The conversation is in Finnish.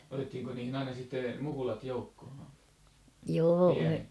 otettiinko niihin aina sitten mukulat joukkoon pienet